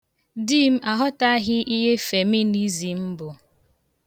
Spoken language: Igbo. Di m aghọtaghị ihe feminizm bụ.